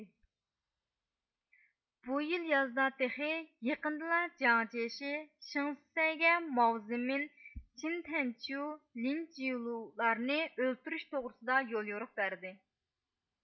بۇ يىل يازدا تېخى يېقىندىلا جياڭجېيشى شېڭشىسەيگە ماۋزېمىن چېنتەنچيۇ لىنجىلۇلارنى ئۆلتۈرۈش توغرىسىدا يوليورۇق بەردى